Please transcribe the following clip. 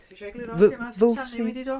Ti isio egluro lle 'ma simsanu wedi dod?